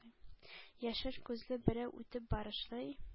Яшел күзле берәү үтеп барышлый: